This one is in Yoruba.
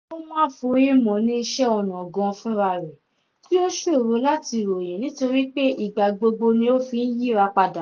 Ohun àfòyemọ̀ ni iṣẹ́ ọnà gan fúnra rẹ̀ tí ó ṣòro láti ròyìn nítorí pé ìgbà gbogbo ni ó fi ń yíra padà.